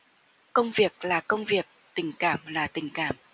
công việc là công việc tình cảm là tình cảm